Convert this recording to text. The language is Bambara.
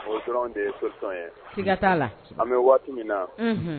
Dɔrɔn de yesɔn ye ska t'a la an bɛ waati min na